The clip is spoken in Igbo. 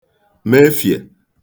mefiè